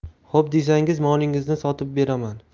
xo'p desangiz molingizni sotib beraman